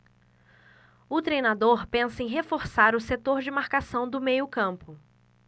o treinador pensa em reforçar o setor de marcação do meio campo